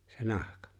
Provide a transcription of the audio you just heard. se nahka